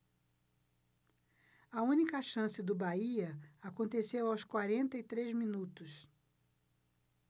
a única chance do bahia aconteceu aos quarenta e três minutos